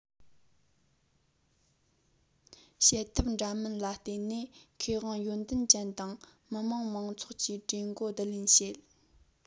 བྱེད ཐབས འདྲ མིན ལ བརྟེན ནས མཁས དབང ཡོན ཏན ཅན དང མི དམངས མང ཚོགས ཀྱི གྲོས འགོ བསྡུ ལེན བྱེད